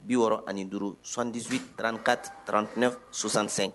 65 78 34 39 65 .